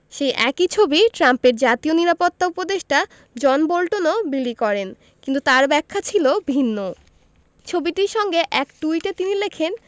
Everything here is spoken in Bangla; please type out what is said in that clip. সেই একই ছবি ট্রাম্পের জাতীয় নিরাপত্তা উপদেষ্টা জন বোল্টনও বিলি করেন কিন্তু তাঁর ব্যাখ্যা ছিল ভিন্ন ছবিটির সঙ্গে এক টুইটে তিনি লেখেন